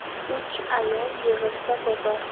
uch ayol yig'ilsa bozor